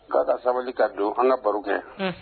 K' ka sabali ka don an ka baro kɛ